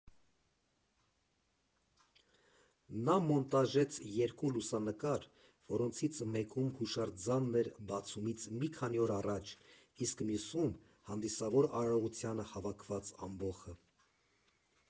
Նա մոնտաժեց երկու լուսանկար, որոնցից մեկում հուշարձանն էր բացումից մի քանի օր առաջ, իսկ մյուսում՝ հանդիսավոր արարողությանը հավաքված ամբոխը։